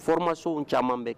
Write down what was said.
Fmasiw caman bɛ